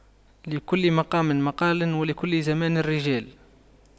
لكل مقام مقال ولكل زمان رجال